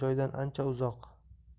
joydan ancha uzoq